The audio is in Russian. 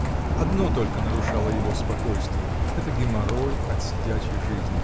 Одно только нарушало его спокойствие — это геморрой от сидячей жизни